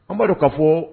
An amadu ka fɔ